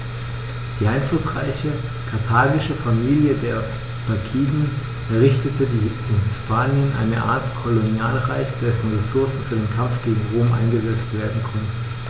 Die einflussreiche karthagische Familie der Barkiden errichtete in Hispanien eine Art Kolonialreich, dessen Ressourcen für den Kampf gegen Rom eingesetzt werden konnten.